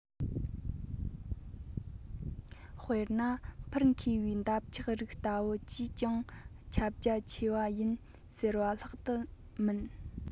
དཔེར ན འཕུར མཁས པའི འདབ ཆགས རིགས ལྟ བུ ཅིས ཀྱང ཁྱབ རྒྱ ཆེ བ ཡིན ཟེར བ ལྷག ཏུ མིན